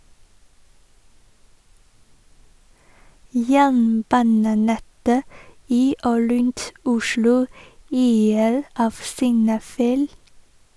Jernbanenettet i og rundt Oslo yrer av signalfeil.